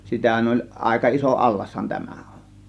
sitähän oli aika iso allashan tämä on